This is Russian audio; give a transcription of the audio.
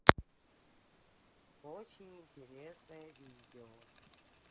очень интересное видео